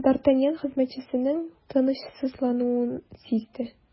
Д’Артаньян хезмәтчесенең тынычсызлануын сизде.